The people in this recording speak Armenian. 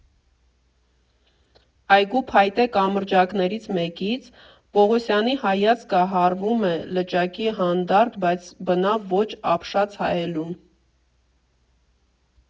Այգու փայտե կամրջակներից մեկից Պողոսյանի հայացքը հառվում է լճակի հանդարտ, բայց բնավ ոչ ապշած հայելուն։